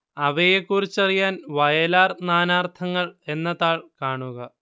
അവയെക്കുറിച്ചറിയാൻ വയലാർ നാനാർത്ഥങ്ങൾ എന്ന താൾ കാണുക